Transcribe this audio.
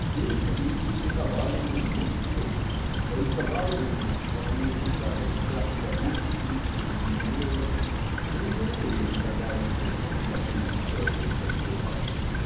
*** Все веселились и ликовали уже две недели, только Вайблинген становился час от часу задумчивей и бледнее, да и Мэриели казалась далеко не такой веселой, как бывало.